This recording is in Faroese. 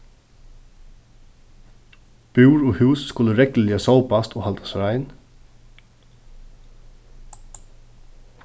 búr og hús skulu regluliga sópast og haldast rein